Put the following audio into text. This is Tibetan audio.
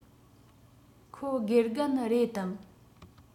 ཁོ དགེ རྒན རེད དམ